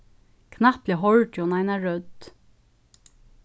knappliga hoyrdi hon eina rødd